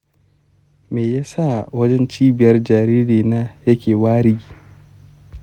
me ya sa wajen cibiyar jaririna yake wari?